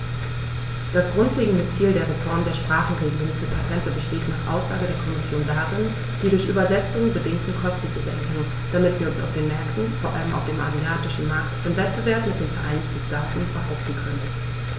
Das grundlegende Ziel der Reform der Sprachenregelung für Patente besteht nach Aussage der Kommission darin, die durch Übersetzungen bedingten Kosten zu senken, damit wir uns auf den Märkten, vor allem auf dem asiatischen Markt, im Wettbewerb mit den Vereinigten Staaten behaupten können.